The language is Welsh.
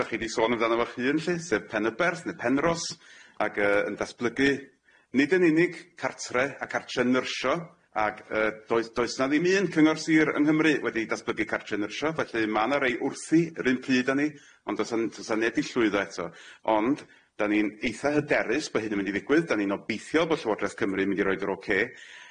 Dach chi di sôn amdano fo'ch hun lly sef Penyberth ne Penros ag yy yn datblygu nid yn unig cartre a cartre nyrsio ag yy does does na ddim un cyngor sir yng Nghymru wedi datblygu cartre nyrsio felly ma' na rei wrthi yr un pryd a ni ond do's a'n do's a neb i llwyddo eto ond dan ni'n eitha hyderus bo' hyn yn mynd i ddigwydd dan ni'n obeithio bo' Llywodraeth Cymru mynd i roid yr oce.